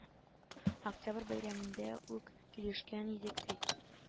Октябрь бәйрәмендә үк килешкән идек бит